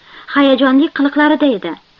hayajonli kiliqlarida edi